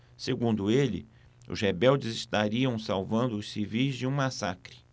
segundo ele os rebeldes estariam salvando os civis de um massacre